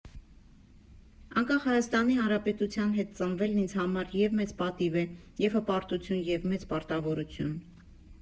Անկախ Հայաստանի Հանրապետության հետ ծնվելն ինձ համար և՛ մեծ պատիվ է, և՛ հպարտություն, և՛ մեծ պարտավորություն։